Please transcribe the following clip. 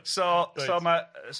So so... Reit. ...ma' y s-